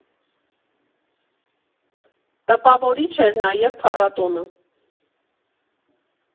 Տպավորիչ էր նաև փառատոնը։